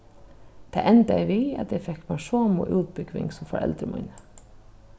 tað endaði við at eg fekk mær somu útbúgving sum foreldur míni